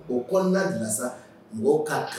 O kɔnɔna dilansa mɔgɔw k'a to